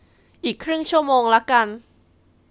อีกครึ่งชั่วโมงละกัน